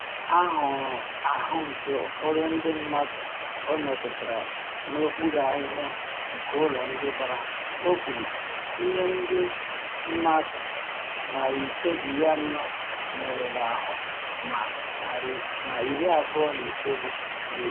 Ahụrụ ahụ nke ụfọdụ ndị mmadụ ọ metụtara n’okpuru ahịhịa nke ụlọ ndị dara, o kwuru, tinye ndị mmadụ 540 merụrụ ahụ ma 29 na efu.